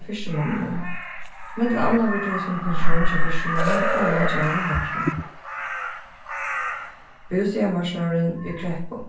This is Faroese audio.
fiskimonnunum millum annað verður tosað um pensjón hjá fiskimonnum og um at gera hana hægri bústaðarmarknaðurin í kreppu